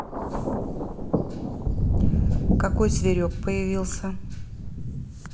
какой зверек появился